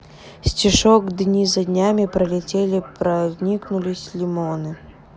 стишок дни за днями пролетели проникнулись лимоны